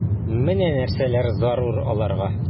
Менә нәрсәләр зарур аларга...